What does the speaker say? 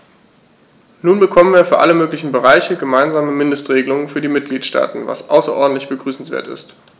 Nun bekommen wir für alle möglichen Bereiche gemeinsame Mindestregelungen für die Mitgliedstaaten, was außerordentlich begrüßenswert ist.